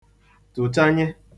tụ̀chanye